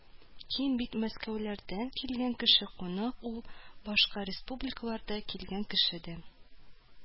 Кин бит мәскәүдән килгән кеше кунак ул, башка республикалардан килгән кеше дә